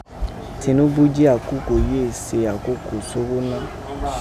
Tinubu ji akoko yii éè si akoko sọ́wọ́ná.